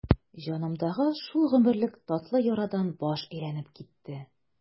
Җанымдагы шул гомерлек татлы ярадан баш әйләнеп китте.